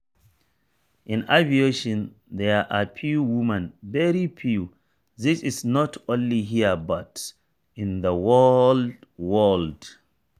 In aviation there are few women, very few, this is not only here but in the whole world.